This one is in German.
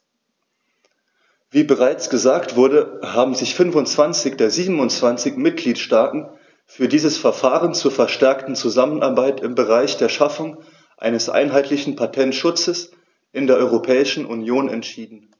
Wie bereits gesagt wurde, haben sich 25 der 27 Mitgliedstaaten für dieses Verfahren zur verstärkten Zusammenarbeit im Bereich der Schaffung eines einheitlichen Patentschutzes in der Europäischen Union entschieden.